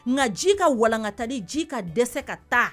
Nka ji ka walankatali ji ka dɛsɛ ka taa